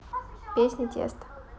песня тесто